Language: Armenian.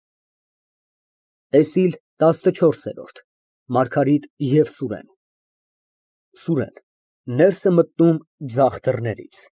ՏԵՍԻԼ ՏԱՍՆՉՈՐՍԵՐՈՐԴ ՄԱՐԳԱՐԻՏ ԵՎ ՍՈՒՐԵՆ ՍՈՒՐԵՆ ֊ (Ներս է մտնում ձախ դռներից)։